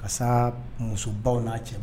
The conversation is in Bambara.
Ka s'a musobaw n'a cɛ